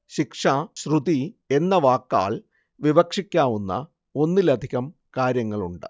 ശിക്ഷ ശ്രുതി എന്ന വാക്കാൽ വിവക്ഷിക്കാവുന്ന ഒന്നിലധികം കാര്യങ്ങളുണ്ട്